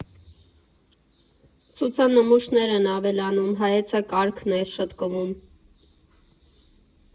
Ցուցանմուշներ են ավելանում, հայեցակարգն է շտկվում։